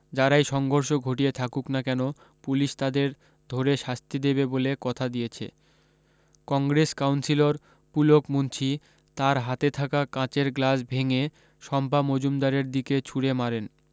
যারাই সংঘর্ষ ঘটিয়ে থাকুক না কেন পুলিশ তাদের ধরে শাস্তি দেবে বলে কথা দিয়েছে কংগ্রেস কাউন্সিলর পুলক মুন্সি তার হাতে থাকা কাঁচের গ্লাস ভেঙে শম্পা মজুমদারের দিকে ছুড়ে মারেন